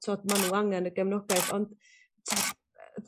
t'wod ma' n'w angen y gefnogaeth ond t'wod yy